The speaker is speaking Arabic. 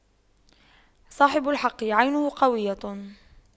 صاحب الحق عينه قوية